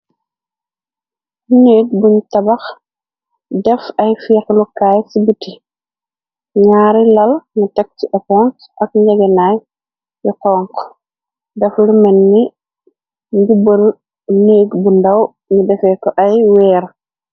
Nèk buñ tabax dèf ay fix lokay ci biti naari lal ñi teg ci epons ak ngegenai yu xonxu dèf lu melni njubal nèk bu ndaw ñu defarr reh ko ay wèèr.